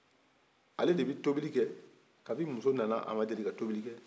ale de bi tobili kɛ kabini muso nana a ma deli ka tobili kɛ